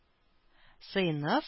Сыйныф